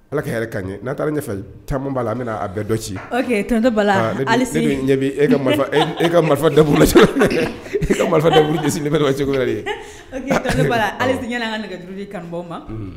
Ala ka hɛrɛ ka ɲɛ n'a taara tan b' la bɛna a bɛɛ dɔ ci ɲɛ e e ka marifa da e ka marifasi ye ka nɛgɛuru kanubaw ma